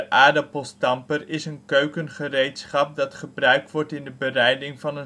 aardappelstamper is een keukengereedschap dat gebruikt wordt in de bereiding van